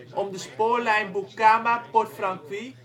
om de spoorlijn Bukama-Port Francqui